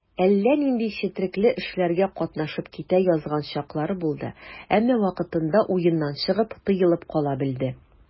Әллә нинди четрекле эшләргә катнашып китә язган чаклары булды, әмма вакытында уеннан чыгып, тыелып кала белде.